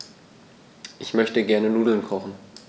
Ich möchte gerne Nudeln kochen.